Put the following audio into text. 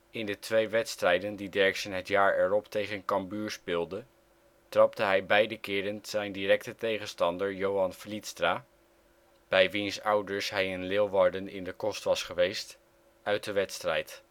In de twee wedstrijden die Derksen het jaar erop tegen Cambuur speelde, trapte hij beide keren zijn directe tegenstander Johan Vlietstra, bij wiens ouders hij in Leeuwarden in de kost was geweest, uit de wedstrijd